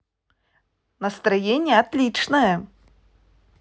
настроение отличное